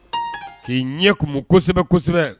K'i ɲɛ kumu kosɛbɛ kosɛbɛ.